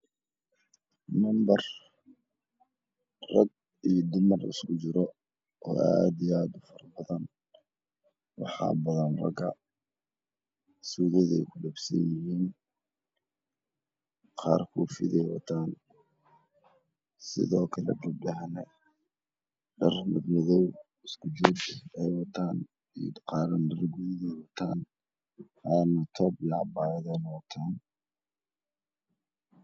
Number cod io qof isku jira oo aad io aad ufara badan waxaa badan raga suugaday ku dhagsan yihiin qaar koofaiyad Bay wataan sidoo kale gabdhahana dhar madow oo isku joog ah ayay wataan qaarna mara guduud ah ayay wataan tob io cabaayad ayay wataan